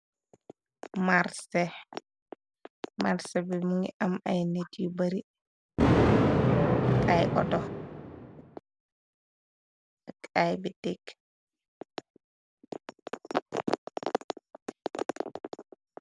Marsé, marsé bi mu ngi am ay nit yu bari ak ay oto, ak ay bitikk.